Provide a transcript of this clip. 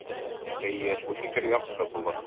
Әйе, бу фикер яхшы булыр.